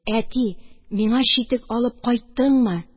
Әти, миңа читек алып кайттыңмы